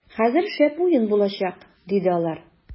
- хәзер шәп уен булачак, - диде алар.